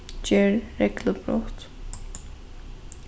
ger reglubrot